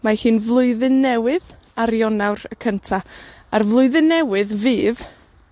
Mae hi'n flwyddyn newydd ar Ionnawr, y cynta. A'r flwyddyn newydd fydd